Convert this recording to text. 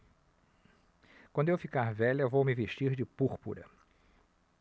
quando eu ficar velha vou me vestir de púrpura